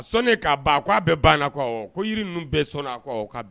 A sɔnnen k'a ban a ko awɔ, ko jiri ninnu bɛɛ sɔnna a ko awɔ k'a